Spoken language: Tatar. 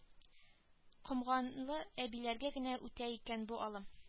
Комганлы әбиләргә генә үтә икән бу алым